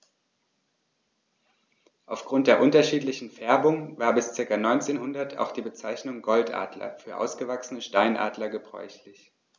Auf Grund der unterschiedlichen Färbung war bis ca. 1900 auch die Bezeichnung Goldadler für ausgewachsene Steinadler gebräuchlich.